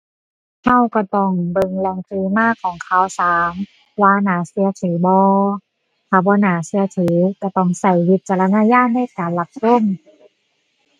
เราเราต้องเบิ่งแหล่งที่มาของข่าวสารว่าน่าเราถือบ่ ถ้าบ่น่าเราถือเราต้องเราวิจารณญาณในการรับชม